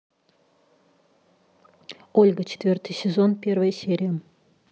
ольга четвертый сезон первая серия